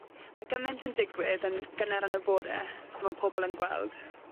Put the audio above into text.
Ma' gyment yn digwydd yn gynnar yn y bore simo pobol yn gweld.